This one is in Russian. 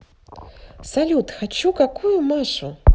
салют хочу какую машу